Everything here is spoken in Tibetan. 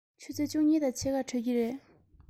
ཆུ ཚོད བཅུ གཉིས དང ཕྱེད ཀར གྲོལ གྱི རེད